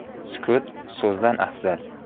sukut so'zdan afzal